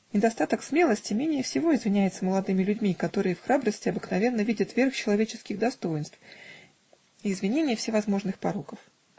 Недостаток смелости менее всего извиняется молодыми людьми, которые в храбрости обыкновенно видят верх человеческих достоинств и извинение всевозможных пороков.